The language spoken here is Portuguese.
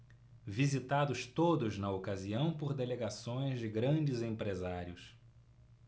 visitados todos na ocasião por delegações de grandes empresários